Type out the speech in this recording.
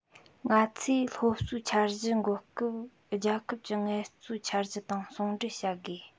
ང ཚོས སློབ གསོའི འཆར གཞི འགོད སྐབས རྒྱལ ཁབ ཀྱི ངལ རྩོལ འཆར གཞི དང ཟུང འབྲེལ བྱ དགོས